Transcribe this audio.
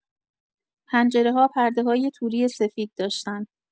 پنجره‌ها پرده‌های توری سفید داشتن.